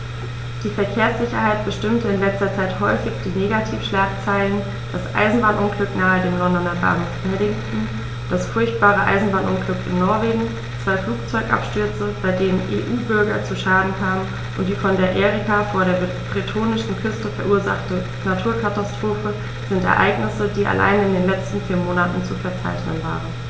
Die Verkehrssicherheit bestimmte in letzter Zeit häufig die Negativschlagzeilen: Das Eisenbahnunglück nahe dem Londoner Bahnhof Paddington, das furchtbare Eisenbahnunglück in Norwegen, zwei Flugzeugabstürze, bei denen EU-Bürger zu Schaden kamen, und die von der Erika vor der bretonischen Küste verursachte Naturkatastrophe sind Ereignisse, die allein in den letzten vier Monaten zu verzeichnen waren.